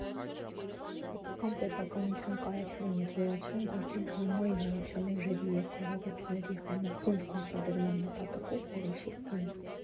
«Հայկական պետականության կայացման և զորացման գործին համայն հայության ուժերի և կարողությունների համախումբ գործադրման նպատակով որոշում եմ…